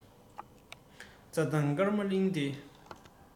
རྩ ཐང སྐར མ གླིང འདི